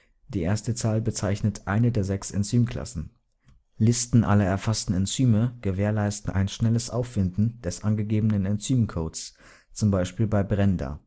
Die erste Zahl bezeichnet eine der sechs Enzymklassen. Listen aller erfassten Enzyme gewährleisten ein schnelleres Auffinden des angegebenen Enzymcodes, z. B. bei BRENDA